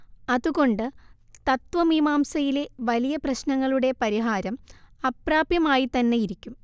അതുകൊണ്ട് തത്ത്വമീമാംസയിലെ വലിയ പ്രശ്നങ്ങളുടെ പരിഹാരം അപ്രാപ്യമായിത്തന്നെയിരിക്കും